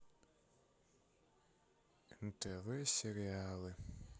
нтв сериалы